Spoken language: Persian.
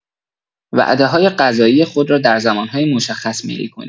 وعده‌های غذایی خود را در زمان‌های مشخص میل کنید.